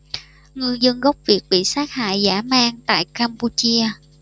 ngư dân gốc việt bị sát hại dã man tại campuchia